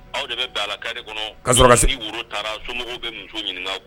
Aw de be bɛ a la carré kɔnɔ kasɔrɔ ka se donc ni woro taara somɔgɔw be muso ɲiniŋa